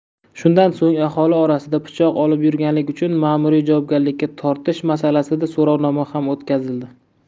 shundan so'ng aholi orasida pichoq olib yurganlik uchun ma'muriy javobgarlikka tortish masalasida so'rovnoma ham o'tkazildi